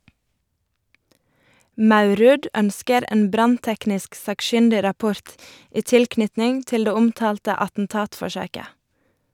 Maurud ønsker en brannteknisk sakkyndigrapport i tilknytning til det omtalte attentatforsøket.